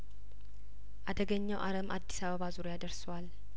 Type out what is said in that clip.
አደገኛው አረም አዲስ አበባ ዙሪያደርሷል